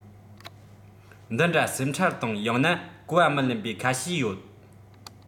འདི འདྲ སེམས ཁྲལ དང ཡང ན གོ བ མི ལེན པའི ཁ ཤས ཡོད